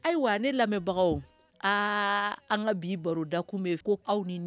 Ayiwa ne lamɛnbagaw aa an ka bi baro dakun bɛ ko aw n